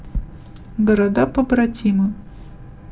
города побратимы